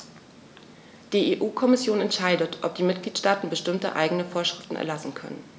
Die EU-Kommission entscheidet, ob die Mitgliedstaaten bestimmte eigene Vorschriften erlassen können.